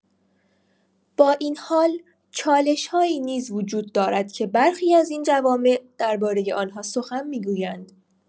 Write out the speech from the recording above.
با این حال، چالش‌هایی نیز وجود دارد که برخی از این جوامع درباره آنها سخن می‌گویند؛